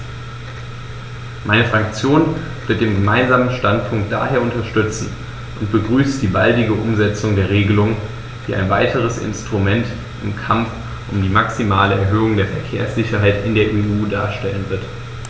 Meine Fraktion wird den Gemeinsamen Standpunkt daher unterstützen und begrüßt die baldige Umsetzung der Regelung, die ein weiteres Instrument im Kampf um die maximale Erhöhung der Verkehrssicherheit in der EU darstellen wird.